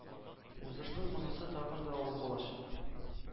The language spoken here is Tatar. Узышның монысы тагын да авыр булачак,